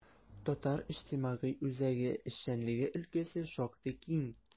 ТИҮ эшчәнлеге өлкәсе шактый киң.